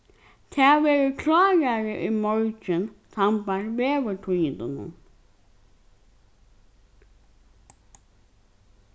tað verður klárari í morgin sambært veðurtíðindunum